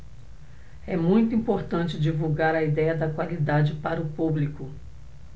é muito importante divulgar a idéia da qualidade para o público